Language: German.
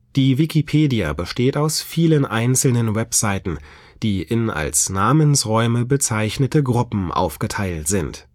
Die Wikipedia besteht aus vielen einzelnen Webseiten, die in als „ Namensräume “bezeichnete Gruppen aufgeteilt sind